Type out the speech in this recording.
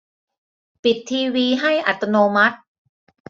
ปิดทีวีให้อัตโนมัติ